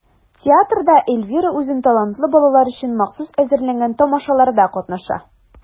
Театрда Эльвира үзен талантлы балалар өчен махсус әзерләнгән тамашаларда катнаша.